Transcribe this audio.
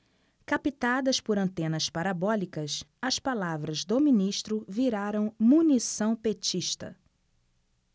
captadas por antenas parabólicas as palavras do ministro viraram munição petista